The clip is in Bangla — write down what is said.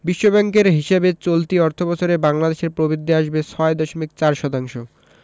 বিশ্বব্যাংকের হিসাবে চলতি অর্থবছরে বাংলাদেশের প্রবৃদ্ধি আসবে ৬.৪ শতাংশ